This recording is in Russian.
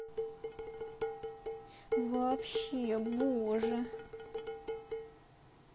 вообще боже